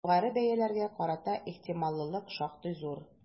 Югары бәяләргә карата ихтималлык шактый зур.